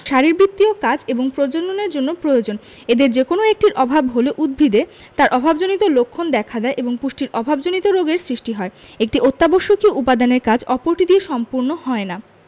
শারীরবৃত্তীয় কাজ এবং প্রজননের জন্য প্রয়োজন এদের যেকোনো একটির অভাব হলে উদ্ভিদে তার অভাবজনিত লক্ষণ দেখা দেয় এবং পুষ্টির অভাবজনিত রোগের সৃষ্টি হয় একটি অত্যাবশ্যকীয় উপাদানের কাজ অপরটি দিয়ে সম্পুর্ণ হয় না